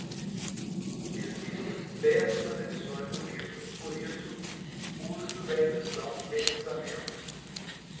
existem péssimas edições do livro por isso use o da edição pensamento